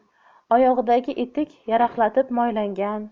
oyog'idagi etik yaraqlatib moylangan